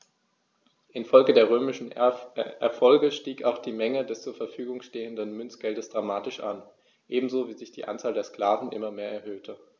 Infolge der römischen Erfolge stieg auch die Menge des zur Verfügung stehenden Münzgeldes dramatisch an, ebenso wie sich die Anzahl der Sklaven immer mehr erhöhte.